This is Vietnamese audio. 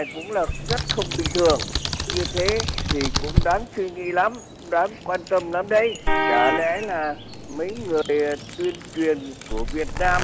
này cũng là rất không bình thường như thế thì cũng đáng suy nghĩ lắm đáng quan tâm lắm đấy chả lẽ là mấy người tuyên tuyên truyền của việt nam